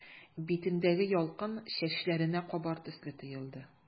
Битендәге ялкын чәчләренә кабар төсле тоелды.